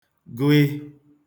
gụị